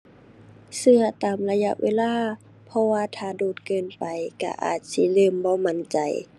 เชื่อตามระยะเวลา เพราะว่าถ้าโดนเกินไปเชื่ออาจสิเริ่มบ่มั่นใจ